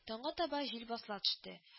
Таңга таба җил басыла төште